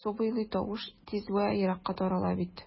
Су буйлый тавыш тиз вә еракка тарала бит...